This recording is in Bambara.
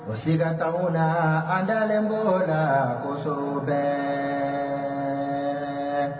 O sera na an ntalen mɔ laso bɛ